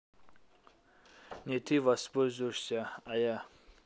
не ты воспользуешься а я